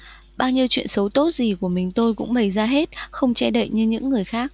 bao nhiêu chuyện xấu tốt gì của mình tôi cũng bày ra hết không che đậy như những người khác